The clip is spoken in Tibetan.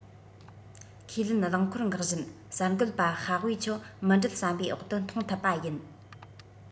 ཁས ལེན རླངས འཁོར འགག བཞིན གསར འགོད པ ཧྭ ཝུའེ ཆའོ མི འགྲུལ ཟམ པའི འོག ཏུ མཐོང ཐུབ པ ཡིན